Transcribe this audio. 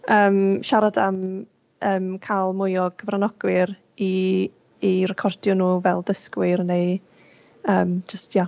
Ymm siarad am yym cael mwy o gyfrannogwyr i i recordio nhw fel dysgwyr neu ymm jyst ia